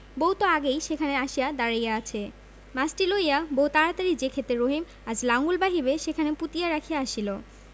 বউ তো আগেই সেখানে আসিয়া দাঁড়াইয়া আছে মাছটি লইয়া বউ তাড়াতাড়ি যে ক্ষেতে রহিম আজ লাঙল বাহিবে সেখানে পুঁতিয়া রাখিয়া আসিল